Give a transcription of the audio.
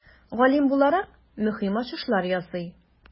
Галим буларак, мөһим ачышлар ясый.